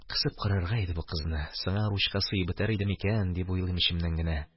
«кысып карарга иде бу кызны, сыңар учка сыеп бетәр иде микән?» – дип уйлыйм эчемнән генә.